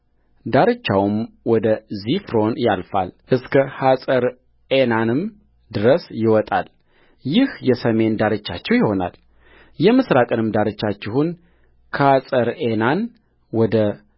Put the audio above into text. ዳርቻውም ወደ ዚፍሮን ያልፋል እስከ ሐጸርዔናንም ድረስ ይወጣል ይህ የሰሜን ዳርቻችሁ ይሆናልየምሥራቁንም ዳርቻችሁን ከሐጸርዔናን ወደ